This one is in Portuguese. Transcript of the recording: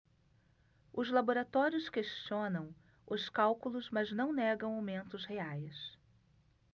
os laboratórios questionam os cálculos mas não negam aumentos reais